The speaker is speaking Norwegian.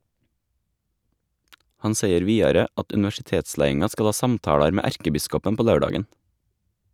Han seier vidare at universitetsleiinga skal ha samtalar med erkebiskopen på laurdagen.